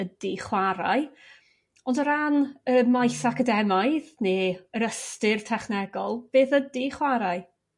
ydi chwarae ond o ran y maes academaidd ne' yr ystyr technegol, beth ydi chwarae?